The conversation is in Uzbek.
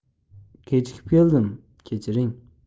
kechikib keldim kechiring